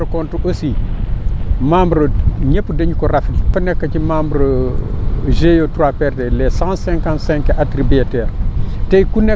bi ma ñëwee rendre compte aussi membre ñëpp dañu ko rafetlu ku nekk ci membre GIE 3PRD les cent cinquante cinq attributaires